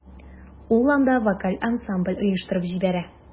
Ул анда вокаль ансамбль оештырып җибәрә.